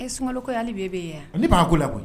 E sunkɛ hali b e' yen yan a b'a ko la